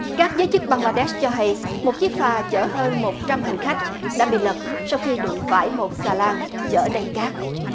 ác giới chức băng la đét cho hay một chiếc phà chở hơn một trăm hành khách đã bị lật sau khi đụng phải một xà lan chở đầy cát